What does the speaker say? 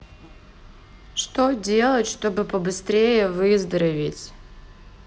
что делать чтобы побыстрее выздоровить